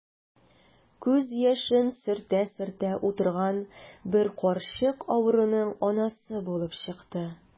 Күз яшен сөртә-сөртә утырган бер карчык авыруның анасы булып чыкты.